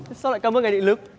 sao lại cám ơn ngành điện lực